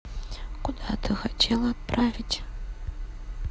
куда ты хотела отправить